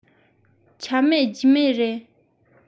ཆ མེད རྒྱུས མེད རེད